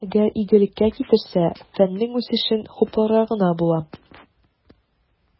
Әгәр игелеккә китерсә, фәннең үсешен хупларга гына була.